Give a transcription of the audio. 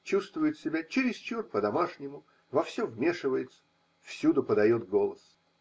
чувствует себя чересчур по-домашнему, во все вмешивается, всюду подает голос.